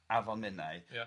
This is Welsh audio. Afon Menai, ia,